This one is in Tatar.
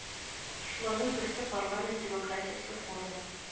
Шуларның берсе парламент демократиясе форумы